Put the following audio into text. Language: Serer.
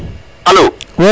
alo